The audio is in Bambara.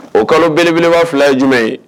O kalo belebeleba fila ye jumɛn ye